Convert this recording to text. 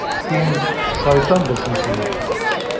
Син, шайтан белсен сине...